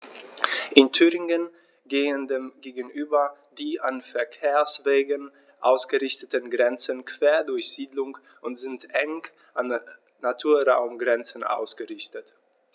In Thüringen gehen dem gegenüber die an Verkehrswegen ausgerichteten Grenzen quer durch Siedlungen und sind eng an Naturraumgrenzen ausgerichtet.